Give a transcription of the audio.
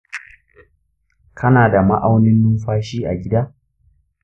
kana da ma'aunin numfashi a gida?